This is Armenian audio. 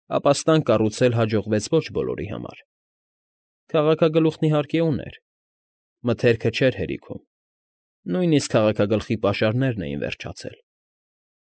Ապաստան կառուցել հաջողվեց ոչ բոլորի համար (քաղաքագլուխն, իհարկե, ուներ), մթերքը չէր հերիքում (նույնիսկ քաղաքագլխի պաշարներն էին վերջացել)։